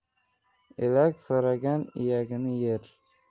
elak so'ragan iyagini yer